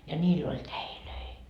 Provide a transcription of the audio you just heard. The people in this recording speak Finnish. ja niillä oli täitä